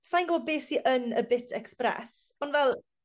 sai'n gwbo be' sy yn y bit express on' fel